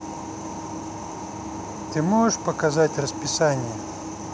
ты можешь показать расписание